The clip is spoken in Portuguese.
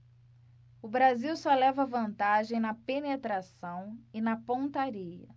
o brasil só leva vantagem na penetração e na pontaria